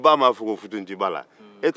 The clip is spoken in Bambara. i ba m'a fɔ ko futunti b'a la